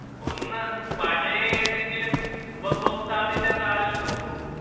ഒന്ന് പഴയ ഏതെങ്കിലും ഉപഭോക്താവിന്റെ താളിൽ നോക്കൂ